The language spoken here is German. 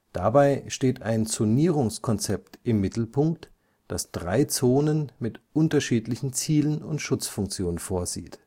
Dabei steht ein Zonierungskonzept im Mittelpunkt, das drei Zonen mit unterschiedlichen Zielen und Schutzfunktionen vorsieht